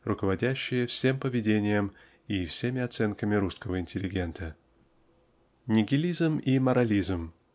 руководящая всем поведением и всеми оценками русского интеллигента. Нигилизм и морализм